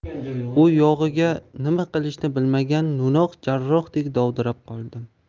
u yog'iga nima qilishini bilmagan no'noq jarrohdek dovdirab qoldim